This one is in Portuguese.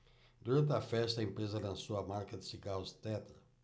durante a festa a empresa lançou a marca de cigarros tetra